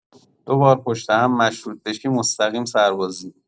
دوبار پشت هم مشروط بشی مستقیم سربازی